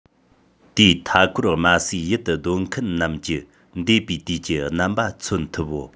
དེས མཐའ འཁོར དམའ སའི ཡུལ དུ སྡོད མཁན རྣམས ཀྱི འདས པའི དུས ཀྱི རྣམ པ མཚོན ཐུབ བོ